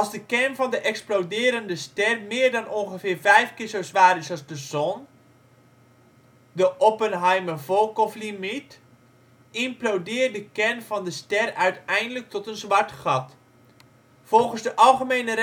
de kern van de exploderende ster meer dan ongeveer 5 keer zo zwaar is als de zon (de Oppenheimer-Volkofflimiet), implodeert de kern van de ster uiteindelijk tot een zwart gat. Volgens de algemene